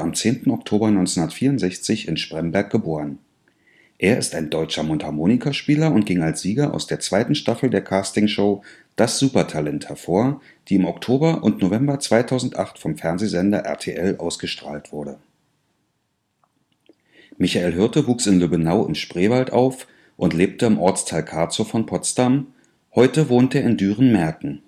10. Oktober 1964 in Spremberg) ist ein deutscher Mundharmonikaspieler. Er ging als Sieger aus der zweiten Staffel der Castingshow Das Supertalent hervor, die im Oktober und November 2008 vom Fernsehsender RTL ausgestrahlt wurde. 1 Leben 2 Diskografie 3 Auszeichnungen und Nominierungen 4 Quellen 5 Weblinks Michael Hirte wuchs in Lübbenau/Spreewald auf und lebte im Ortsteil Kartzow von Potsdam. Heute wohnt er in Düren-Merken